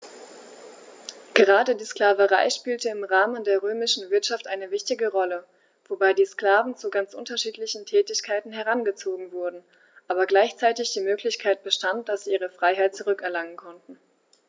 Gerade die Sklaverei spielte im Rahmen der römischen Wirtschaft eine wichtige Rolle, wobei die Sklaven zu ganz unterschiedlichen Tätigkeiten herangezogen wurden, aber gleichzeitig die Möglichkeit bestand, dass sie ihre Freiheit zurück erlangen konnten.